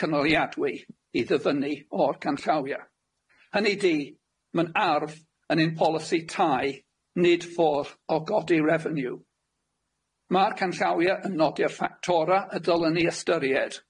cynoriadwy i ddyfynnu o'r canllawia hynny ydi ma'n arf yn ein polisi tai nid ffordd o godi refeniw. Ma'r canllawia yn nodi'r ffactorau y dylwn ni ystyried.